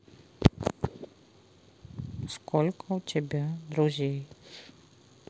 сколько у тебя друзей